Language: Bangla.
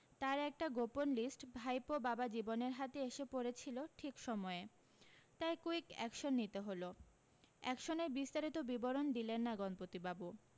তার একটা গোপন লিষ্ট ভাইপো বাবাজীবনের হাতে এসে পড়েছিল ঠিক সময়ে তাই কুইক অ্যাকশন নিতে হলো অ্যাকশনের বিস্তারিত বিবরণ দিলেন না গণপতিবাবু